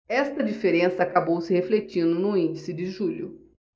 esta diferença acabou se refletindo no índice de julho